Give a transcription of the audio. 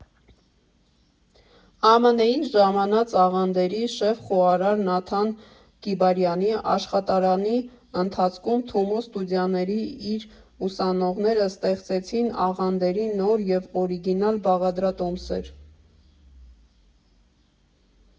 ԱՄՆ֊ից ժամանած աղանդերի շեֆ խոհարար Նաթան Կիբարյանի աշխատարանի ընթացքում Թումո ստուդիաների իր ուսանողները ստեղծեցին աղանդերի նոր և օրիգինալ բաղադրատոմսեր։